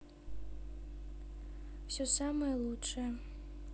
все самое лучшее